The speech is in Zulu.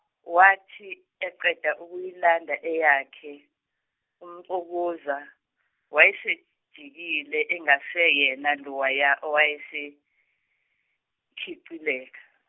wathi eqeda ukuyilanda eyakhe uMxukuza wayesejikile engaseyena lowaya owayesekhicileka.